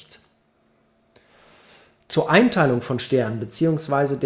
beschreibt. Mehr